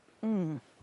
Mm.